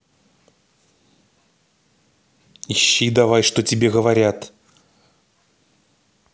ищи давай что тебе говорят